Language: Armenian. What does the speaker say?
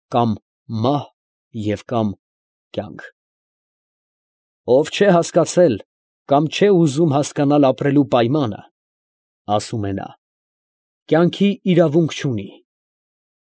֊ կամ մահ և կամ կյանք։ «Ով չէ հասկացել, կամ չէ ուզում հասկանալ ապրելու պայմանները, ֊ ասում է նա, ֊ կյանքի իրավունք չունի։